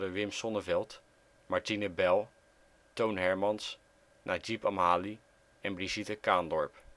Wim Sonneveld, Martine Bijl, Toon Hermans, Najib Amhali en Brigitte Kaandorp